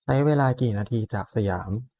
ใช้เวลากี่นาทีจากสยาม